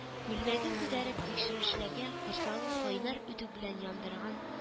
Күлмәген күтәреп тикшерүчеләргә корсагын, кайнар үтүк белән яндырыган